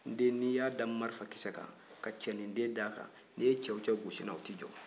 n den n'i y'a da marifakisɛ kan ka cɛninden da a kan ni i ye cɛ o cɛ gosi n'a ye o tɛ jɔ